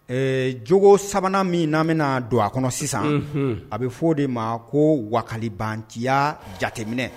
Ee jo sabanan min n'a bɛna don a kɔnɔ sisan a bɛ fɔ o de ma ko walibandiyaya jateminɛ